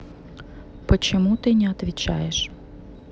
почему ты не отвечаешь